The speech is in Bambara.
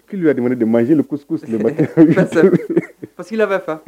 Qui lui a demandé de manger le couscous, le matin? parce qu'il avait fin